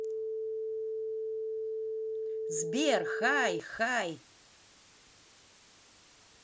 сбер хай хай